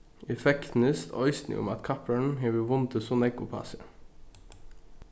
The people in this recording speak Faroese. eg fegnist eisini um at kappróðurin hevur vundið so nógv upp á seg